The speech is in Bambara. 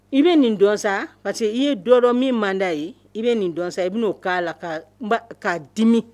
I be nin dɔn sa parce que i ye dɔ dɔn min man da ye . I be nin dɔn sa i bi no ka la ka dimi